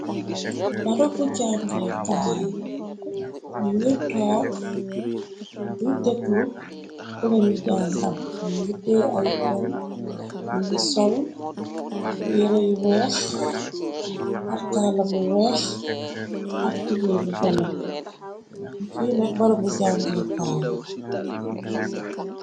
Barabu jàngee kaar ñu ni toog di deglu kuleni jangam ñu njitee ay penn lungi sol yeerey weex artaala bu weex artibe bu bula ni finek barabu jàngee taala.